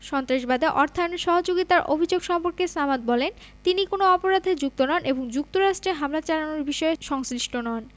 সন্ত্রাসবাদে অর্থায়নে সহযোগিতার অভিযোগ সম্পর্কে সামাদ বলেন তিনি কোনো অপরাধে যুক্ত নন এবং যুক্তরাষ্ট্রে হামলা চালানোর বিষয়ে সংশ্লিষ্ট নন